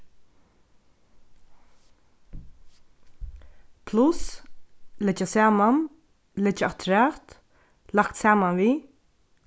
pluss leggja saman leggja afturat lagt saman við